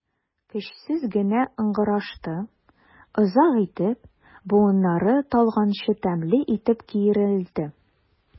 Көчсез генә ыңгырашты, озак итеп, буыннары талганчы тәмле итеп киерелде.